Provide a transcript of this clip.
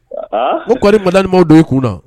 Ko kɔni mainw don u kun na